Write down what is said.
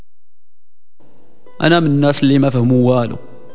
انا من الناس اللي ما فهم والله